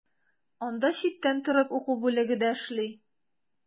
Анда читтән торып уку бүлеге дә эшли.